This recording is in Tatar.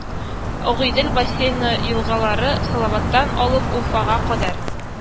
Агыйдел бассейны елгалары: Салаваттан алып Уфага кадәр